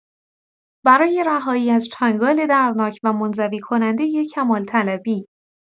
برای رهایی از چنگال دردناک و منزوی‌کنندۀ کمال‌طلبی